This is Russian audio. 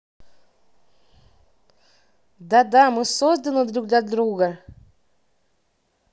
да да мы созданы друг для друга